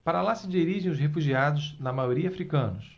para lá se dirigem os refugiados na maioria hútus